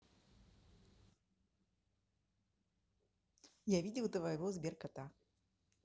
я видел твоего сберкота